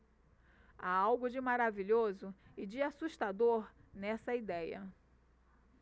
há algo de maravilhoso e de assustador nessa idéia